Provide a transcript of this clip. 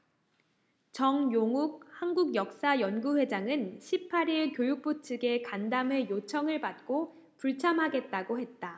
정용욱 한국역사연구회장은 십 팔 일 교육부 측의 간담회 요청을 받고 불참하겠다고 했다